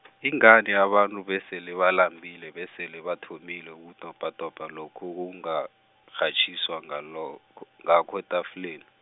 ingani abantu besele balambile besele bathomile ukudobhadobha lokho okukghatjiswa ngalo, -kho- ngakho etafuleni.